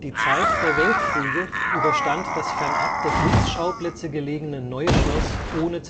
Zeit der Weltkriege überstand das fernab der Kriegsschauplätze gelegene Neue Schloss ohne